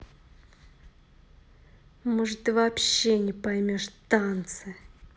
может ты вообще не поймешь танцы